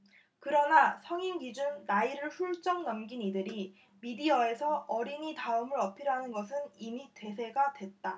그러나 성인 기준 나이를 훌쩍 넘긴 이들이 미디어에서 어린이 다움을 어필하는 것은 이미 대세가 됐다